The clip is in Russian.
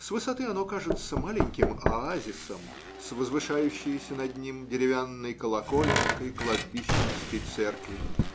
с высоты оно кажется маленьким оазисом с возвышающеюся над ним деревянной колоколенкой кладбищенской церкви.